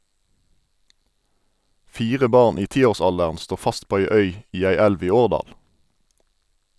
Fire barn i tiårsalderen står fast på ei øy i ei elv i Årdal.